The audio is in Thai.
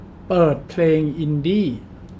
เปิดเพลงอินดี้